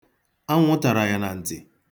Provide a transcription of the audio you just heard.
Anwụ tara ya na ntị.